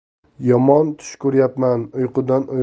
yomon tush ko'ryapman uyqudan